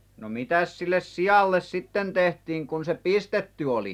no mitäs sille sialle sitten tehtiin kun se pistetty oli